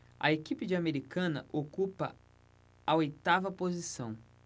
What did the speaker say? a equipe de americana ocupa a oitava posição